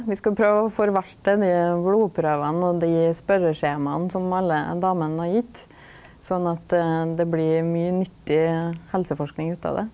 vi skal prøva å forvalte dei blodprøvane og dei spørjeskjemaa som alle damene har gitt, sånn at det blir mykje nyttig helseforsking ut av det.